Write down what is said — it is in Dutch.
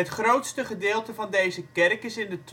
grootste gedeelte van deze kerk is in